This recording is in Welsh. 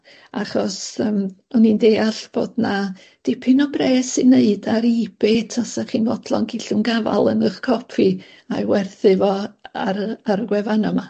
Achos yym o'n i'n deall bod 'na dipyn o bres i wneud ar e-bay tasa chi'n fodlon cyllwng gafal yn 'ych copi a'i werthu fo ar y ar y gwefanna 'ma.